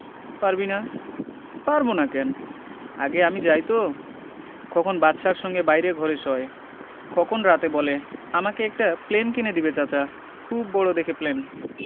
পারবি না পারব না কেন আগে আমি যাই তো খোকন বাদশার সঙ্গে বাইরের ঘরে শোয় খোকন রাতে বলে আমাকে একটা প্লেন কিনে দিবে চাচা খুব বড় দেখে প্লেন